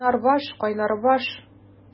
Кайнар баш, кайнар баш!